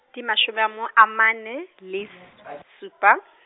ke mashome a mo, a mane, les- supa.